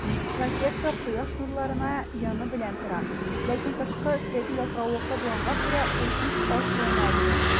Ракета Кояш нурларына яны белән тора, ләкин тышкы өслеге ялтыравыклы булганга күрә, ул бик аз җылына иде.